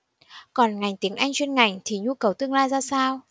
còn ngành tiếng anh chuyên ngành thì nhu cầu tương lai ra sao